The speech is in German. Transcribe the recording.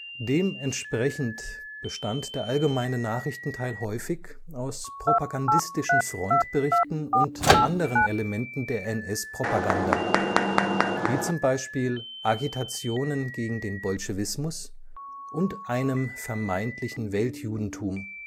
Dementsprechend bestand der allgemeine Nachrichtenteil häufig aus propagandistischen Frontberichten und anderen Elementen der NS-Propaganda, wie zum Beispiel Agitationen gegen dem Bolschewismus und einem vermeintlichen Weltjudentum